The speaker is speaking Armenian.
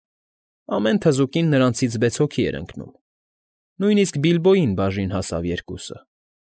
Ամեն թզուկին նրանցից վեց հոգի էր ընկնում, նույնիսկ Բիլբոյին բաժին հասավ երկուսը։